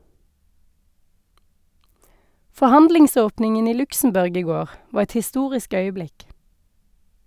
Forhandlingsåpningen i Luxembourg i går var et historisk øyeblikk.